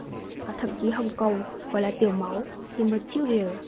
và thậm chí hồng cầu gọi là tiểu máu